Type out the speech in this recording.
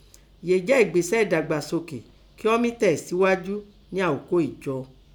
Yèé jẹ́ ẹ̀gbésẹ́ ẹ̀dagbasoke kí ọ́ mí tẹ̀síájú nẹ́ aókò Ìjọ,